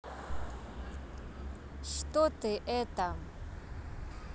что ты это